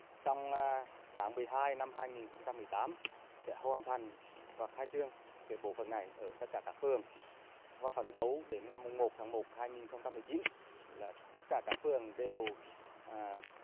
trong tháng mười hai năm hai nghìn không trăm mười tám sẽ hoàn thành và khai trương cái bộ phận này ở tất cả các phường và phấn đấu đến ngày mùng một tháng một hai nghìn không trăm mười chín là tất cả các phường đều à